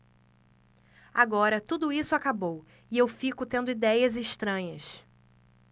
agora tudo isso acabou e eu fico tendo idéias estranhas